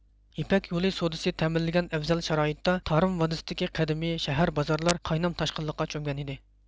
يىپەك يولى سودىسى تەمىنلىگەن ئەۋزەل شارائىتتا تارىم ۋادىسىدىكى قەدىمىي شەھەر بازارلار قاينام تاشقىنلىققا چۆمگەن ئىدى